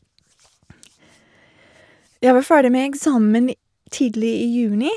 Jeg var ferdig med eksamen tidlig i juni.